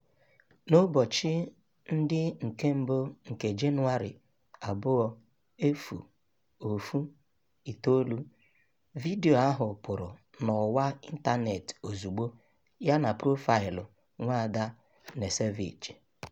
N'ụbọchị ndị nke mbụ nke Jenụwarị 2019, vidiyo ahụ pụrụ n'ọwa ịntaneetị ozugbo yana profaịlụ Nwaada Knežević.